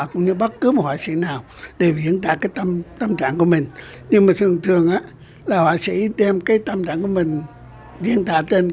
cũng như bất cứ một họa sĩ nào đều diễn tả cái tâm tâm trạng của mình nhưng mà thường thường á là họa sĩ đem cái tâm trạng của mình diễn tả trên